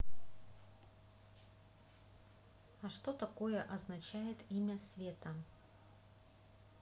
а что такое означает имя света